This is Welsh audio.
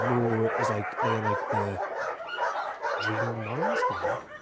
Nhw is like... they are like the Dream Boys? No.